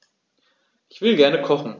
Ich will gerne kochen.